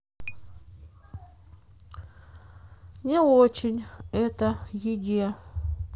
не очень это еде